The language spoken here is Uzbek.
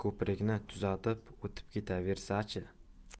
ko'prikni tuzatib o'tib ketaversa chi